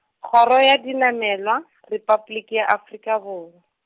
Kgoro ya Dinamelwa , Repabliki ya Afrika Borwa.